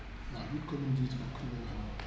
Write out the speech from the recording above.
waaw huit communes dina si bokk li nga wax loolu la